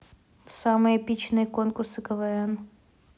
самые эпичные конкурсы квн